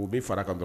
U bɛ fara ka dɔrɔn